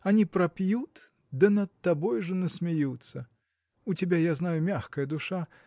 Они пропьют да над тобой же насмеются. У тебя, я знаю, мягкая душа